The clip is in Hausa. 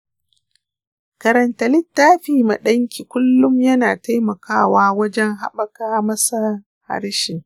karanta littafi ma danki kullum yana taimakawa wajen habaka masa harshe.